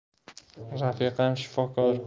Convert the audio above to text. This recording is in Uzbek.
rafiqam shifokor